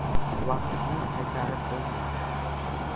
vaqtni qaytarib bo'lmaydi